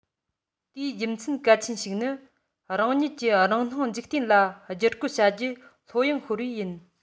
དེའི རྒྱུ མཚན གལ ཆེན ཞིག ནི རང ཉིད ཀྱི རང སྣང འཇིག རྟེན ལ བསྒྱུར བཀོད བྱ རྒྱུར ལྷོད གཡེང ཤོར བས ཡིན